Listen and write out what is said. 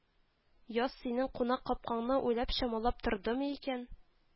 Яз синең кунак капкаңны уйлап-чамалап тордымы икән